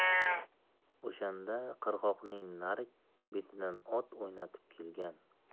o'shanda qirg'oqning narigi betidan ot o'ynatib kelgan